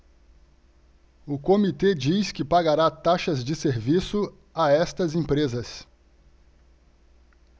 o comitê diz que pagará taxas de serviço a estas empresas